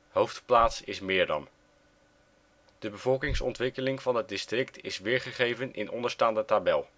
Hoofdplaats is Meram. De bevolkingsontwikkeling van het district is weergegeven in onderstaande tabel